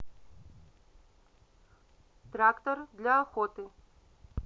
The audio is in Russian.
трактор для охоты